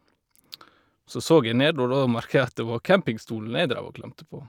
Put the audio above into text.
Så så jeg ned, og da merka jeg at det var campingstolen jeg dreiv og klemte på.